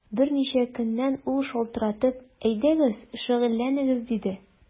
Берничә көннән ул шалтыратып: “Әйдәгез, шөгыльләнегез”, диде.